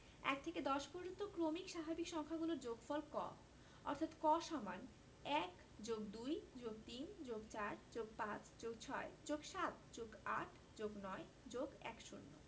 ১ থেকে ১০ পর্যন্ত ক্রমিক স্বাভাবিক সংখ্যাগুলোর যোগফল ক অর্থাৎ ক = ১+২+৩+৪+৫+৬+৭+৮+৯+১০